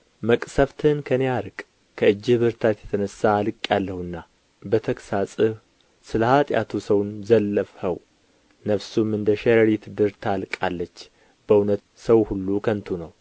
መቅሠፍትህን ከእኔ አርቅ ከእጅህ ብርታት የተነሣ አልቄአለሁና በተግሣጽህ ስለ ኃጢአቱ ሰውን ዘለፍኸው ነፍሱም እንደ ሸረሪት ድር ታልቃለች በእውነት ሰው ሁሉ ከንቱ ነው